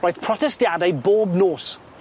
Roedd protestiadau bob nos.